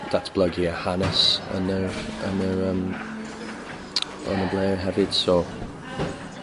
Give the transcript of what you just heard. datblygu y hanes yn yr yn yr yym yn y ble hefyd so